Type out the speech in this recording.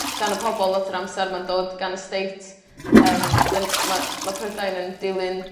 gan y pobol lot o'r amser ma'n dod gan y state yym 'dyn ma' ma' Prydain yn dilyn